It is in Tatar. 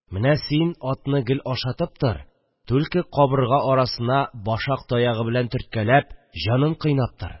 Менә син атны гел ашатып тор, түлке кабырга арасына башак таягы белән төрткәләп җанын кыйнап тор